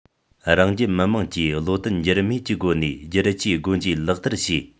རང རྒྱལ མི དམངས ཀྱིས བློ བརྟན འགྱུར མེད ཀྱི སྒོ ནས བསྒྱུར བཅོས སྒོ འབྱེད ལག བསྟར བྱས